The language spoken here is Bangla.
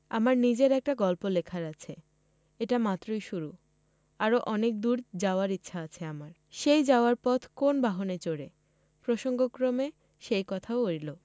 আমার নিজের একটা গল্প লেখার আছে এটা মাত্রই শুরু আরও অনেক দূর যাওয়ার ইচ্ছা আছে আমার সেই যাওয়ার পথ কোন বাহনে চড়ে প্রসঙ্গক্রমে সে কথাও এল